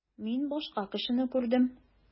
Мин башка кешене күрдем.